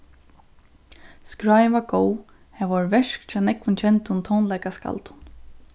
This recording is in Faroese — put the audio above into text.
skráin var góð har vóru verk hjá nógvum kendum tónleikaskaldum